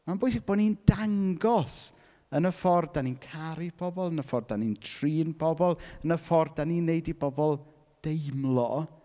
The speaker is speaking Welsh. Mae'n bwysig bod ni'n dangos yn y ffordd dan ni'n caru pobl. Yn y ffordd dan ni'n trin pobl. Yn y ffordd dan ni'n wneud i bobl deimlo.